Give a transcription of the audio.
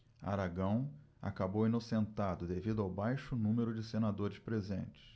aragão acabou inocentado devido ao baixo número de senadores presentes